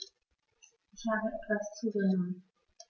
Ich habe etwas zugenommen